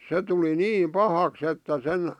se tuli niin pahaksi että sen